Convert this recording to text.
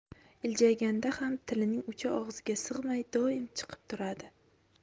iljayganda ham tilining uchi og'ziga sig'may doim chiqib turadi